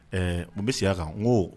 Ɛɛ mun bɛ segin' kan n ko